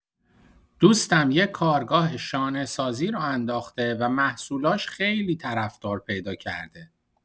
دوستم یه کارگاه شانه‌سازی راه انداخته و محصولاش خیلی طرفدار پیدا کرده.